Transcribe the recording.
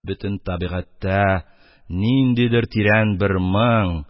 Бөтен табигатьтә ниндидер тирән бер моң,